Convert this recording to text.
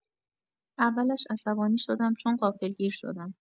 اولش عصبانی شدم، چون غافلگیر شدم.